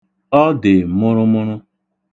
Ọ dị mụrụmụrụ.